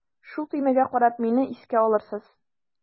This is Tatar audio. Шул төймәгә карап мине искә алырсыз.